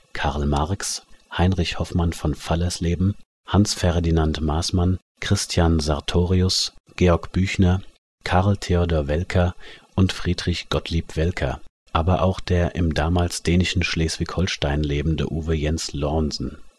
Karl Marx, Heinrich Hoffmann von Fallersleben, Hans Ferdinand Maßmann, Christian Sartorius, Georg Büchner, Karl Theodor Welcker und Friedrich Gottlieb Welcker, aber auch der im damals dänischen Schleswig-Holstein lebende Uwe Jens Lornsen